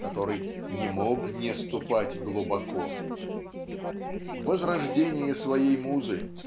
который "не мог не ступать глубоко". Возрождение своей музы